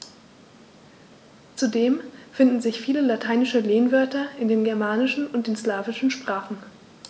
Zudem finden sich viele lateinische Lehnwörter in den germanischen und den slawischen Sprachen.